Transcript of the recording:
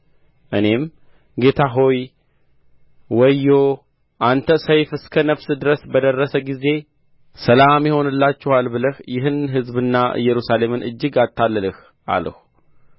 እኔም ጌታ እግዚአብሔር ሆይ ወዮ አንተ ሰይፍ እስከ ነፍስ ድረስ በደረሰ ጊዜ ሰላም ይሆንላችኋል ብለህ ይህን ሕዝብና ኢየሩሳሌምን እጅግ አታለልህ አልሁ